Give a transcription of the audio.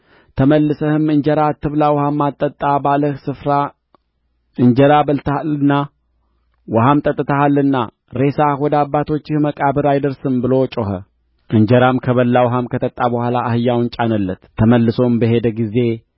ተመልሰህም እንጀራ አትብላ ውኃም አትጠጣ ባለህ ስፍራ እንጀራ በልተሃልና ውኃም ጠጥተሃልና ሬሳህ ወደ አባቶችህ መቃብር አይደርስም ብሎ ጮኸ እንጀራም ከበላ ውኃም ከጠጣ በኋላ አህያውን ጫነለት ተመልሶም በሄደ ጊዜ